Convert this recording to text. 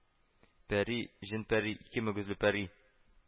Пәри, җен-пәри, ике мөгезле пәри